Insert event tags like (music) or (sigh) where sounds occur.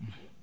(hesitation) (hesitation)